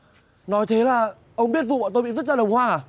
nói thế là ông biết vụ bọn tôi bị vứt ra đồng hoang à